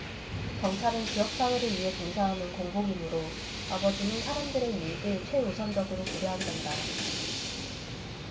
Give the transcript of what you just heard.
경찰은 지역 사회를 위해 봉사하는 공복이므로 아버지는 사람들의 유익을 최우선적으로 고려한단다